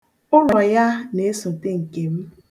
Ụlọ ya na-esote nkem.